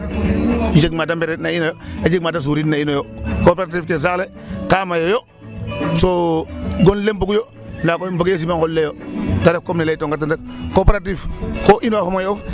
Jeg ma da mbaritna in oyo, a njeg ma da surinna in oyo; coopérative ke saax le kaa mayooyo so gon le mboguyo ndaa koy mbogee simanqol oyo tq ref comme ne lqytonga ten rek .